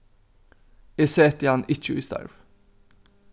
eg setti hann ikki í starv